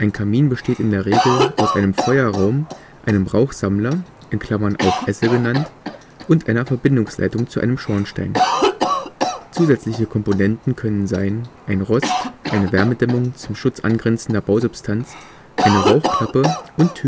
Kamin besteht in der Regel aus einem Feuerraum, einem Rauchsammler (auch Esse genannt) und einer Verbindungsleitung zu einem Schornstein. Zusätzliche Komponenten können sein: ein Rost, eine Wärmedämmung zum Schutz angrenzender Bausubstanz, eine Rauchklappe und